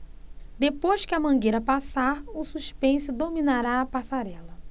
depois que a mangueira passar o suspense dominará a passarela